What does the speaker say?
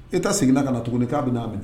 E tɛ seginna ka na tuguni k'a bɛ'a minɛ